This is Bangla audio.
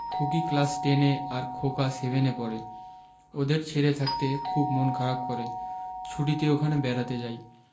খুকি ক্লাস টেন এ আর খোকা সেভেন এ পড়ে ওদের ছেড়ে থাকতে খুব মন খারাপ করে ছুটিতে ওখানে বেড়াতে যাই